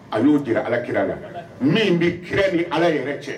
A y'o di ala kira na min bɛ kira ni ala yɛrɛ cɛ